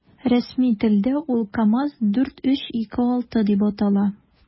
Рәсми телдә ул “КамАЗ- 4326” дип атала.